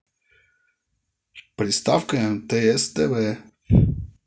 приставка мтс тв